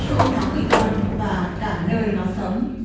chỗ nó gửi con và cả nơi nó sống